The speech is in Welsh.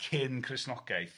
cyn Cristnogaeth.